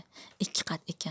ikkiqat ekan